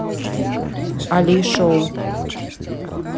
али шоу